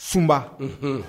Sunba unhun